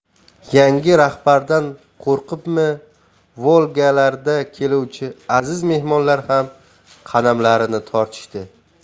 yangi rahbardan qo'rqibmi volga larda keluvchi aziz mehmonlar ham qadamlarini tortishdi